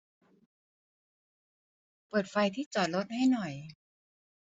เปิดไฟที่จอดรถให้หน่อย